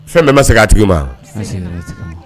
Fɛn bɛɛ ma segin a tigi ma ? A bɛɛ seginna a tigi ma